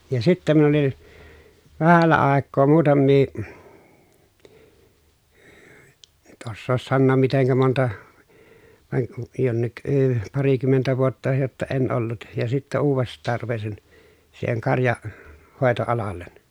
ja sitten minä olin vähällä aikaa muutamia en nyt osaa sanoa miten monta vaan kun jonkin - parikymmentä vuotta jotta en ollut ja sitten uudestaan rupesin siihen - karjanhoitoalalle